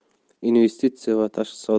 investitsiya va tashqi